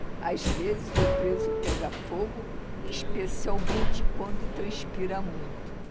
às vezes o preso pega fogo especialmente quando transpira muito